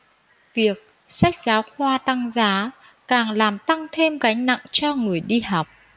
việc sách giáo khoa tăng giá càng làm tăng thêm gánh nặng cho người đi học